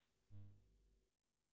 так что болтаешься